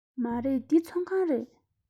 མ རེད འདི ཚོང ཁང རེད